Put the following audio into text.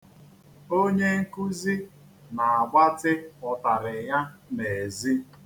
Onye nkụzi na-agbatị ụtarị ya n'ezi.̣